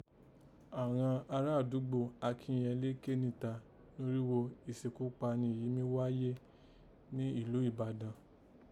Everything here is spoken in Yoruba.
Àghan ará àdúgbò Àkinyẹlé ké níta norígho ìsekúpani yìí mí gháyé ní ìlú Ìbàdàn